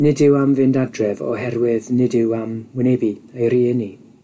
Nid yw am fynd adref oherwydd nid yw am wynebu ei rieni.